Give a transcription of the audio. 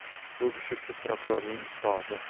bu kishi shu prokurorning ustozi